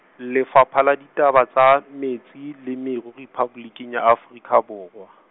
Lefapha la Ditaba tsa Metsi le Meru, Rephaboliking ya Afrika Borwa.